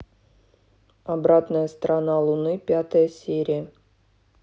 обратная сторона луны пятая серия